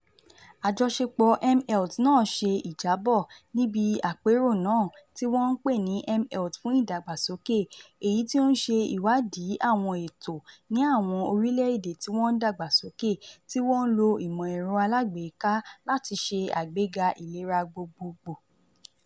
Àjọṣepọ̀ mHealth náà ṣe ìjábọ̀ níbi àpérò náà tí wọ́n pè ní mHealth fún Ìdàgbàsókè, èyí tí ó ń ṣe ìwádìí àwọn ètò ní àwọn orílẹ̀ èdè tí wọ́n ń dàgbà sókè tí wọ́n ń lo ìmọ̀ ẹ̀rọ alágbèéká láti ṣe àgbéga ìlera gbogbogbò.